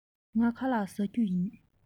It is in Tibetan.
ངས ཁ ལག བཟས མེད